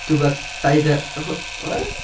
Dwy fil a daudde- ch- wa?